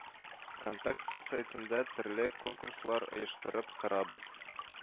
Вконтакте сайтында төрле конкурслар оештырып торабыз